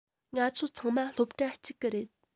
ང ཚོ ཚང མ སློབ གྲྭ གཅིག གི རེད